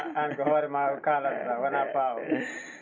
an ko hoorema kalanta wona Pa o